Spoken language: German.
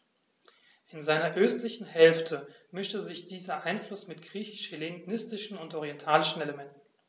In seiner östlichen Hälfte mischte sich dieser Einfluss mit griechisch-hellenistischen und orientalischen Elementen.